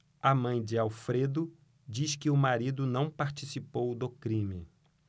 a mãe de alfredo diz que o marido não participou do crime